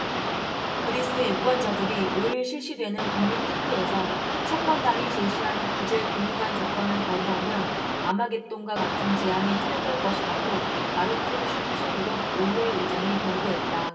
그리스 유권자들이 오 일 실시되는 국민투표에서 채권단이 제시한 구제금융안 조건을 거부하면 아마겟돈과 같은 재앙이 초래될 것이라고 마르틴 슐츠 유럽의회 의장이 경고했다